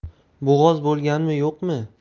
bo'g'oz bo'lganmi yo'qmi